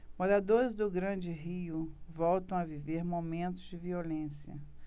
moradores do grande rio voltam a viver momentos de violência